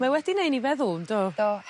Mae wedi neud ni feddwl yndo? Do.